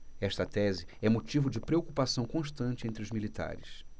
esta tese é motivo de preocupação constante entre os militares